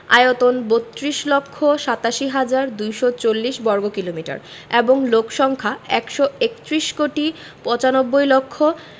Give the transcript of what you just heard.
আয়তন ৩২ লক্ষ ৮৭ হাজার ২৪০ বর্গ কিমি এবং লোক সংখ্যা ১৩১ কোটি ৯৫ লক্ষ